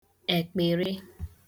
èkpị̀rị